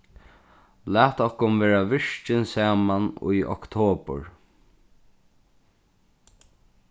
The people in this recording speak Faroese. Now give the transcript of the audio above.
lat okkum vera virkin saman í oktobur